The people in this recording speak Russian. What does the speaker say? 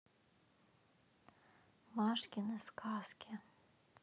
машкины сказки